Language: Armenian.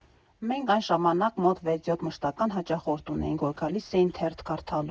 Մենք այն ժամանակ մոտ վեց֊յոթ մշտական հաճախորդ ունեինք, որ գալիս էին թերթ կարդալու։